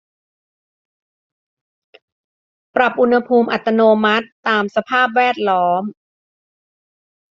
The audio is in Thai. ปรับอุณหภูมิอัตโนมัติตามสภาพแวดล้อม